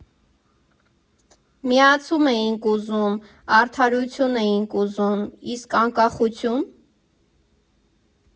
Միացում էինք ուզում, Արդարություն էինք ուզում, իսկ Անկախությո՞ւն.